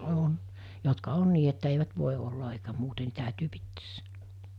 on jotka on niin että eivät voi olla eikä muuten niin täytyy pitää siellä